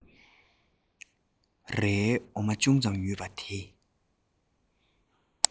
རའི འོ མ ཅུང ཙམ ཡོད པ དེ